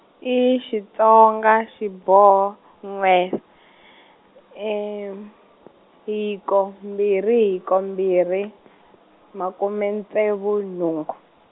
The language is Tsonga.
i Xitsonga xiboho n'we , hiko mbirhi hiko mbirhi , makume ntsevu nhungu.